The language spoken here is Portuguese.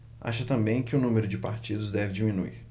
acha também que o número de partidos deve diminuir